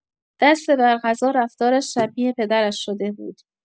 دست بر قضا رفتارش شبیه پدرش شده بود.